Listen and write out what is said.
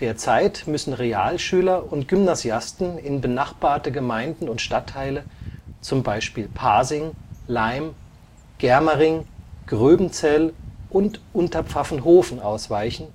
Derzeit müssen Realschüler und Gymnasiasten in benachbarte Gemeinden und Stadtteile, zum Beispiel Pasing, Laim, Germering, Gröbenzell und Unterpfaffenhofen ausweichen